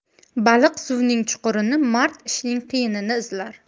baliq suvning chuqurini mard ishning qiyinini izlar